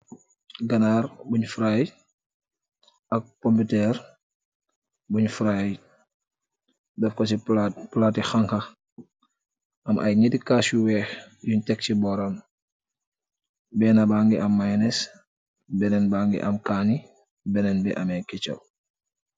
Ganaar buñ fry ak pompitërr buñ fry def ko ci plati xanxa, am ay Nyetti kaas yu weex yuñ tek ci boram, benna ba ngi am miness, benen bangi am kaani, benen bi amee kechop.